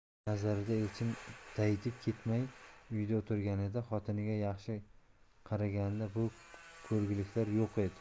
nazarida elchin daydib ketmay uyida o'tirganida xotiniga yaxshi qaraganida bu ko'rgiliklar yo'q edi